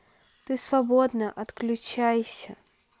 ты свободна отключайся